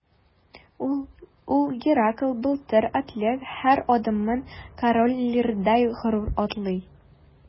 Ул – Геракл, Былтыр, атлет – һәр адымын Король Лирдай горур атлый.